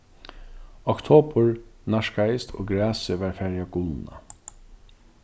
oktobur nærkaðist og grasið var farið at gulna